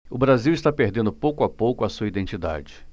o brasil está perdendo pouco a pouco a sua identidade